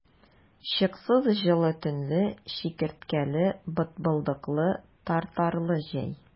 Чыксыз җылы төнле, чикерткәле, бытбылдыклы, тартарлы җәй!